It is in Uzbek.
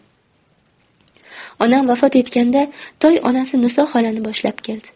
onam vafot etganda toy onasi niso xolani boshlab keldi